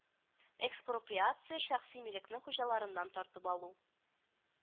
Экспроприация шәхси милекне хуҗаларыннан тартып алу